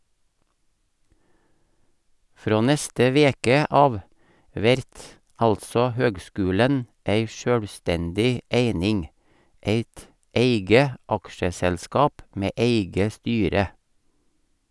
Frå neste veke av vert altså høgskulen ei sjølvstendig eining , eit eige aksjeselskap med eige styre.